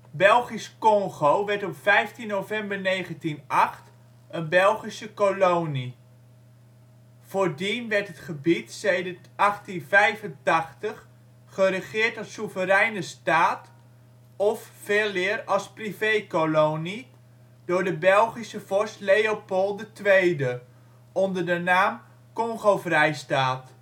Belgisch-Kongo werd op 15 november 1908 een Belgische kolonie. Voordien werd het gebied sedert 1885 geregeerd als soevereine staat - of veeleer als " privé-kolonie "- door de Belgische vorst Leopold II, onder de naam Kongo-Vrijstaat